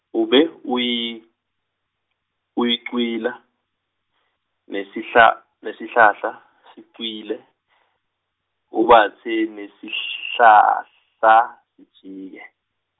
ube uya uyacwila, nesihla- nesihlahla sicwile, ubatse nesihlahla sijike.